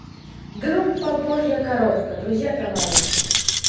группа божья коровка друзья товарищи